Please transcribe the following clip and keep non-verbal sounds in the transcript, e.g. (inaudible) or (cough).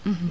(hesitation) (hesitation)